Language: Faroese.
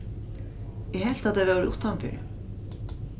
eg helt at tey vóru uttanfyri